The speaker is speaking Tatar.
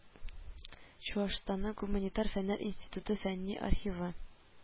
Чувашстанның гуманитар фәннәр институты Фәнни архивы